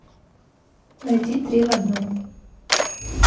найди три в одном